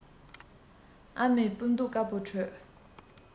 ཨ མའི སྤུ མདོག དཀར པོ འི ཁྲོད